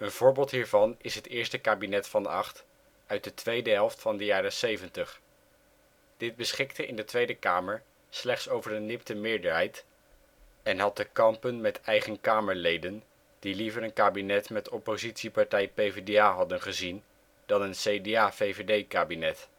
voorbeeld hiervan is het eerste Kabinet-Van Agt uit de tweede helft van de jaren zeventig. Dit beschikte in de Tweede Kamer slechts over een nipte meerderheid, en had te kampen met eigen Kamerleden die liever een kabinet met oppositiepartij PvdA hadden gezien dan een CDA-VVD kabinet